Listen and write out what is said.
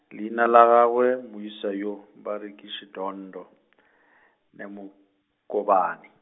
leina la gagwe moisa yo, ba re ke Shidondho , Nemukovhani.